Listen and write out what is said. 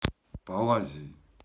полазий